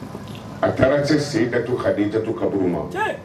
A taara se se dato ha dato kaburu ma